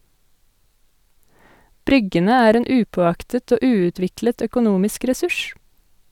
Bryggene er en upåaktet og uutviklet økonomisk ressurs.